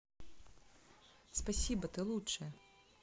спасибо ты лучшая